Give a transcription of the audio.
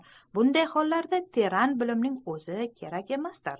bunday hollarda teran bilimning o'zi kerak emasdir